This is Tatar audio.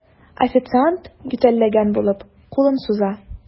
Официант, ютәлләгән булып, кулын суза.